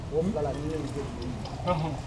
O bala ni bɛ se